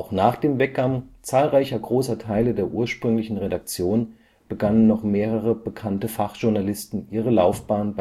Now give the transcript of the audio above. nach dem Weggang zahlreicher großer Teile der ursprünglichen Redaktion begannen noch mehrere bekannte Fachjournalisten ihre Laufbahn